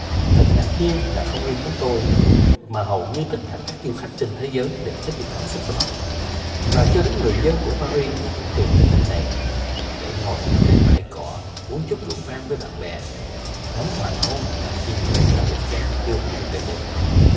thật ngạc nhiên là không riêng chúng tôi mà hầu như tất cả các du khách trên thế giới đều thích được cảm xúc đó và cho đến người dân của pa ri cũng tìm đến nơi này để ngồi trên bãi cỏ uống chút rượu vang với bạn bè ngắm hoàng hôn và chiêm ngưỡng tháp ép phen kiêu hãnh về đêm